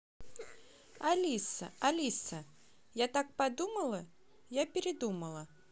алиса я так подумала я передумала